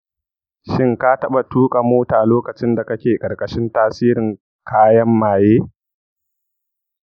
shin ka taɓa tuka mota lokacin da kake ƙarkashin tasirin kayan maye?